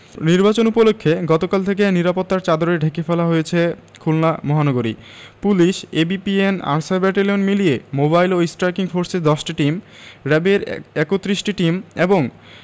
নির্বাচন উপলক্ষে গতকাল থেকে নিরাপত্তার চাদরে ঢেকে ফেলা হয়েছে খুলনা মহানগরী পুলিশ এবিপিএন আনসার ব্যাটালিয়ন মিলিয়ে মোবাইল ও স্ট্রাইকিং ফোর্সের ১০টি টিম র ্যাবের ৩১টি টিম এবং